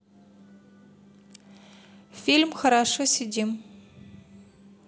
фильм хорошо сидим